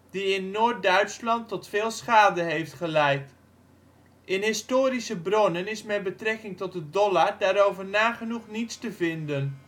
die in Noord-Duitsland tot veel schade heeft geleid. In historische bronnen is met betrekking tot de Dollard daarover nagenoeg niets te vinden